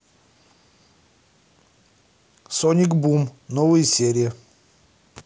соник бум новые серии